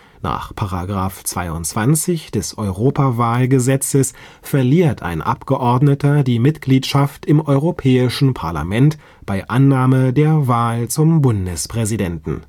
Nach § 22 des Europawahlgesetzes verliert ein Abgeordneter die Mitgliedschaft im Europäischen Parlament bei Annahme der Wahl zum Bundespräsidenten